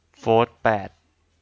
โฟธแปด